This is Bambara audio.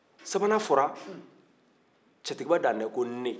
sabannan fɔra cetigiba dante ko n ne